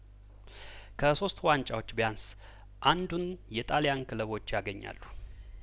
ከሶስቱ ዋንጫዎች ቢያንስ አንዱን የጣልያን ክለቦች ያገኛሉ